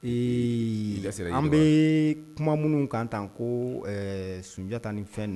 Ee la an bɛ kuma minnu kan tan ko sunjatadi tan ni fɛn na